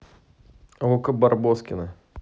око барбоскины